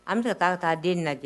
An bɛ se ka taa , ka taa den in lajɛ